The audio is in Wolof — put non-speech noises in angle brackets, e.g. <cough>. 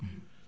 <hesitation> <hesitation>